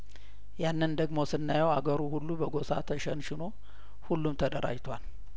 ያንን ደግሞ ስናየው አገሩ ሁሉ በጐሳ ተሸንሽኖ ሁሉም ተደራጅቷል